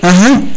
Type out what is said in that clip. axa